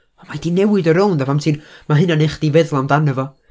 Ond ma hi 'di newid o rownd a pan ti'n, ma' hynna'n wneud chdi feddwl amdano fo.